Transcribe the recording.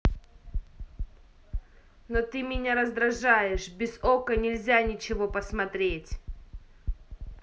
но ты меня раздражаешь без okko нельзя ничего посмотреть